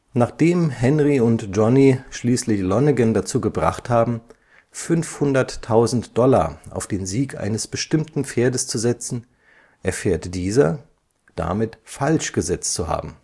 Nachdem Henry und Johnny schließlich Lonnegan dazu gebracht haben, 500.000 Dollar auf den Sieg eines bestimmten Pferdes zu setzen, erfährt dieser, damit falsch gesetzt zu haben